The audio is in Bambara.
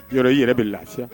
Yɔrɔ i yɛrɛ bɛ lafi